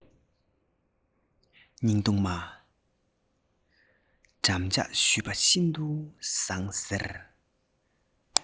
སྙིང སྡུག མ འགྲམ ལྕག གཞུས པ ཤིན དུ བཟང ཟེར